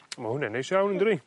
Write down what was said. Ma' hwnne'n neis iawn yndydi?